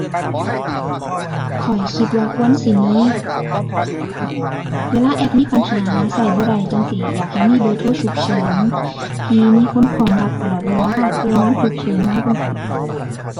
ข้อยคิดว่าควรสิมี เวลาแอปมีปัญหา ใช้บ่ได้จั่งซี้ อยากให้มีเบอร์โทรฉุกเฉิน ที่มีคนพร้อมรับตลอดเวลา เผื่อยามฉุกเฉินมาจั่งซี้